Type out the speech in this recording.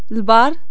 لبار